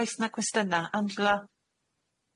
Oes na gwestynna Angela?